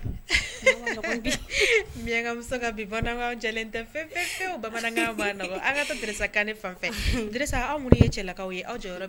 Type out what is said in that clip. Miyanka muso ka bi bamanan jɛlen tɛ fiyewu fiyewu bamankan man nɔgɔn an ka Dirisa kane fan fɛ Dirisa anw minnu ye cɛla kaw ye aw jɔyɔrɔ